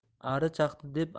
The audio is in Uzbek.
ari chaqdi deb